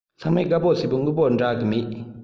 ཚང མས དགའ པོ བྱེད པའི དངོས པོ འདྲ གི མེད